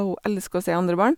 Hun elsker å se andre barn.